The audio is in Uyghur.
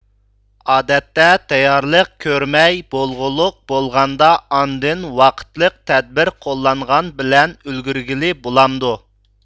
ئادەتتە تەييارلىق كۆرمەي بولغۇلۇق بولغاندا ئاندىن ۋاقىتلىق تەدبىر قوللانغان بىلەن ئۈلگۈرگىلى بولامدۇ